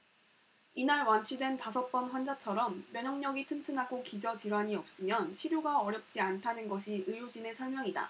이날 완치된 다섯 번 환자처럼 면역력이 튼튼하고 기저 질환이 없으면 치료가 어렵지 않다는 것이 의료진의 설명이다